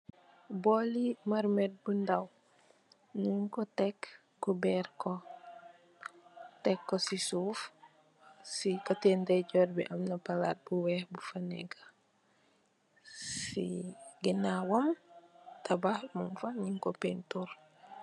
Bóóli marmet bu ndaw ñing ko tèk kuberr ko, tèk ko ci suuf si koteh ndayjoor bi am na palat bu wèèx bu fa nekka si ganaw wam tabax mung fa ñing ko pentir.